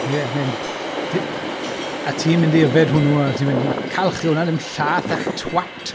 Ie, mae'n a ti'n mynd i yfed hwnnw a ti'n mynd "ma- calch yw hwnnw, ddim llaeth y twat!"